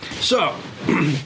So... .